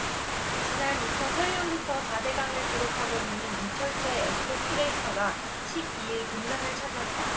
지난 이천 팔 년부터 사 대강을 기록하고 있는 이철재 에코큐레이터가 십 이 일 금강을 찾았다